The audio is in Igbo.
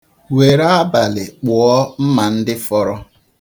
Were abalị kpụọ mma ndị fọrọ.